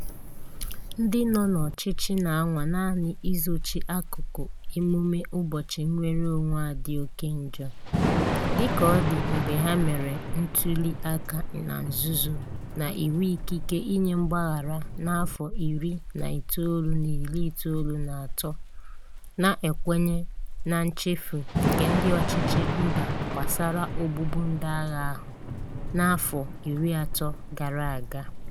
Ndị nọ n'ọchịchị na-anwa naanị izochi akụkụ emume ụbọchị nnwereonwe a dị oke njọ, dị ka ọ dị mgbe ha mere ntuli aka na nzuzo n'iwu ikike inye mgbaghara na 1993 na-ekwenye na nchefu nke ndị ọchịchị mba gbasara ogbugbu ndị agha ahụ n'afọ 30 gara aga.